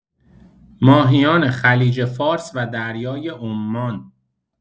ماهیان خلیج‌فارس و دریای عمان